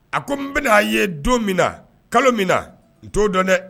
A ko n bɛna'a ye don min na kalo min na n t'o dɔn dɛ